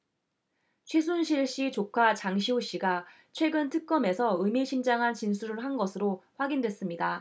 최순실 씨 조카 장시호 씨가 최근 특검에서 의미심장한 진술을 한 것으로 확인됐습니다